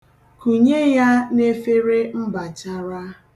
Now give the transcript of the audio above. Kunye ya n'efere mbachara.